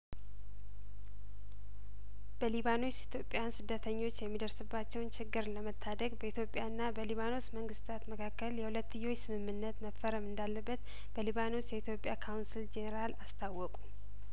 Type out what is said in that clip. በሊባኖስ ኢትዮጵያን ስደተኞች የሚደርስ ባቸውን ችግር ለመታደግ በኢትዮጵያ ና በሊባኖስ መንግስታት መካከል የሁለትዮሽ ስምምነት መፈረም እንዳለበት በሊባኖስ የኢትዮጵያ ካውንስል ጄኔራል አስታወቁ